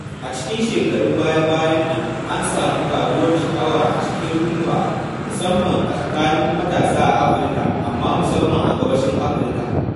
A cikin shekarun baya-bayan nan, an sami karuwar sha'awa a cikin Rhumba, musamman a tsakanin matasa a Afirka, amma musamman a Gabashin Afirka.